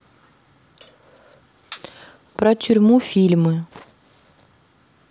про тюрьму фильмы